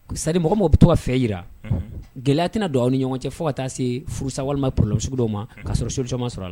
C'est à dire mɔgɔ o mɔgɔ bɛ to ka fɛ jira gɛlɛya tɛna don aw ni ɲɔgɔn cɛ fo ka taa se furusa walima problème sugu dɔ ma kaa sɔrɔ solution ma sɔrɔ la.